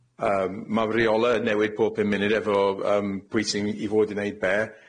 Yym, ma' reole'n newid pob pum munud efo'r yym pwy sy'n i fod i neud be',